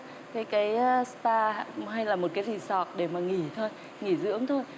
cái cái sờ pa hay là một cái rì sọt để mà nghỉ thôi nghỉ dưỡng thôi